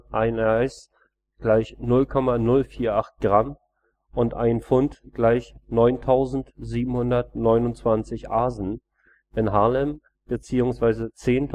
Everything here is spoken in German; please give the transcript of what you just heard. ein Aes = 0,048 Gramm und ein Pfund = 9.729 Asen in Haarlem bzw. 10.240